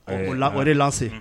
Ɔ la o lase